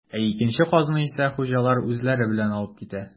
Ә икенче казны исә хуҗалар үзләре белән алып китә.